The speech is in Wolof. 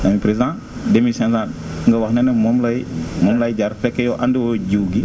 donc président 2500 nga wax ne ne moom lay moom lay jar fekk yow indi woo jiwu gi